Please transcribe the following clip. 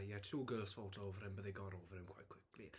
Ie, two girls fought over him, but they got over him quite quickly.